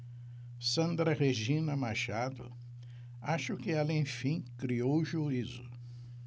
sandra regina machado acho que ela enfim criou juízo